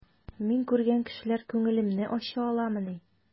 Мин күргән кешеләр күңелемне ача аламыни?